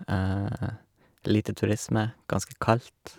Det er lite turisme, ganske kaldt.